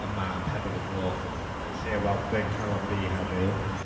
yma am pedwar o'r gloch yn lle weld Brên. Calon. Fi. heddiw.